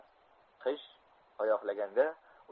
qish oyoqlaganda